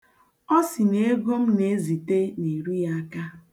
Ọ sị na ego m na-ezite na-eru ya aka.